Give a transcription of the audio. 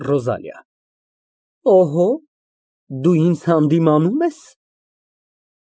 ՌՈԶԱԼԻԱ ֊ Օհո, դու ինձ հանդիմանո՞ւմ ես։